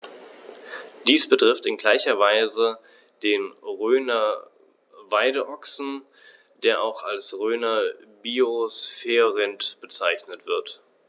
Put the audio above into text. Dies betrifft in gleicher Weise den Rhöner Weideochsen, der auch als Rhöner Biosphärenrind bezeichnet wird.